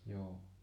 joo